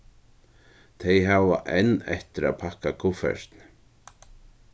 tey hava enn eftir at pakka kuffertini